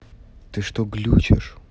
ты что глючишь